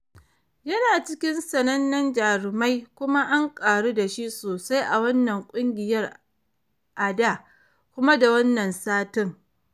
Yana cikin sanannen jarumai kuma an karu da shi sosai a wannan kungiyar a da, kuma da wannan satin.